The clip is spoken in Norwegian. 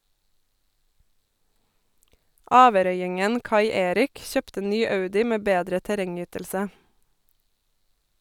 Averøyingen Kai Erik kjøpte ny Audi med bedre terrengytelse.